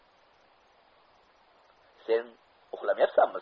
sen uxlamayapsanmi